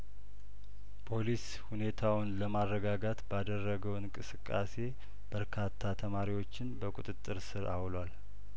ፖሊስ ሁኔታውን ለማረጋጋት ባደረገው እንቅስቅሴ በርካታ ተማሪዎችን በቁጥጥር ስር አውሏል